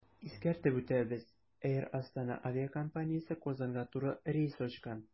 Искәртеп үтәбез, “Эйр Астана” авиакомпаниясе Казанга туры рейс ачкан.